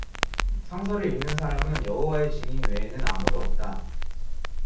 성서를 읽는 사람은 여호와의 증인 외에는 아무도 없다